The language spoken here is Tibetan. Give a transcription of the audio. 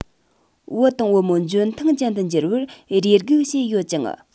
བུ དང བུ མོ འཇོན ཐང ཅན དུ འགྱུར བར རེ སྒུག བྱས ཡོད ཀྱང